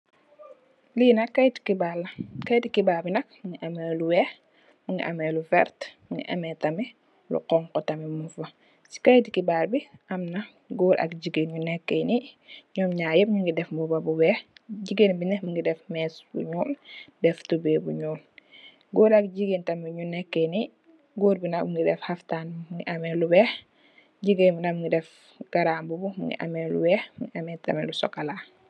Lii nak kayiti xibaar la, kayiti xibaar bi nak mu ngi amee lu weex, mu ngi amee lu werta, mu ngi amee tamit, lu xoñxu tamit muñg fa, si kayiti xibaar bi am na, góor ak jigéen ñu ...ñom ñaar yëp ñu ngi, def mbuba bu weex, jigéen bi nak mu ngi def mees bu ñuul, def tubooy bu ñuul. Goor ak jigéen tam ñu ngi neekë nii, Goor bi nak mu ngi def xaftaan, mu ngi amee lu weex, jigéen baa ngi def garaambuba ,mu ngi amee lu weex, mu amee tamit sokolaa.